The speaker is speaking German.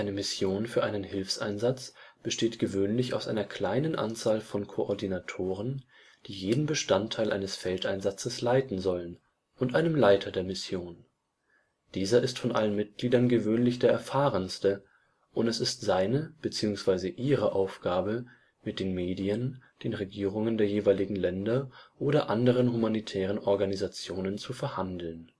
Mission für einen Hilfseinsatz besteht gewöhnlich aus einer kleinen Anzahl von Koordinatoren, die jeden Bestandteil eines Feldeinsatzes leiten sollen, und einem Leiter der Mission. Dieser ist von allen Mitgliedern gewöhnlich der Erfahrenste, und es ist seine beziehungsweise ihre Aufgabe, mit den Medien, den Regierungen der jeweiligen Länder oder anderen humanitären Organisationen zu verhandeln